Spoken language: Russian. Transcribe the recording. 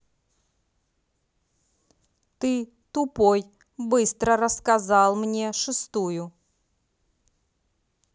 ты тупой быстро рассказал мне шестую